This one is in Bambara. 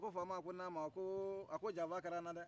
ko faama a ko naamu a ko janfa kɛr'an na dɛ